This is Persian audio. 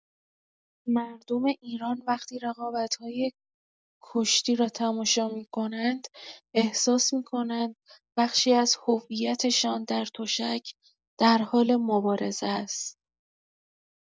مردم ایران وقتی رقابت‌های کشتی را تماشا می‌کنند، احساس می‌کنند بخشی از هویتشان در تشک در حال مبارزه است.